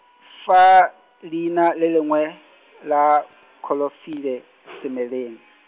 fa, leina le lengwe, la, klorofile, semeleng .